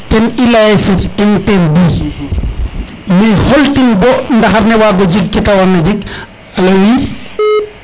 ten i leya ye c' est interdit mais xoltin bo ndxar ne wago jeg kete war na jeg alo oui